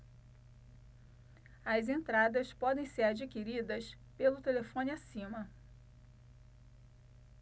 as entradas podem ser adquiridas pelo telefone acima